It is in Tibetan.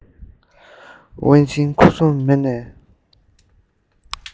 དབེན ཅིང ཁུ སུམ མེར གནས